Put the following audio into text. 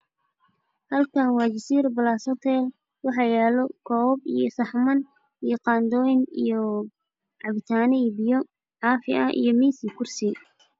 Halkaani waa Jasiiro Balaas Hoteel. waxaa yaalo kooban iyo saxaman, iyo qaandooyin iyo cabitaano, iyo biyo caafi ah, iyo miis, iyo kursi.